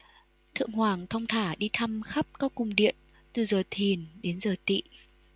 thượng hoàng thong thả đi thăm khắp các cung điện từ giờ thìn đến giờ tỵ